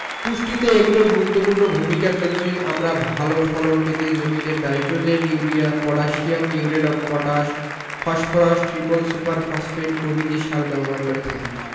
পুষ্টিতে এগুলোর গুরুত্বপূর্ণ ভূমিকার জন্যই আমরা ভালো ফলন পেতে জমিতে nitrogen urea potassium muriate of potash phosphorus triple super phosphate প্রভৃতি সার ব্যবহার করে থাকি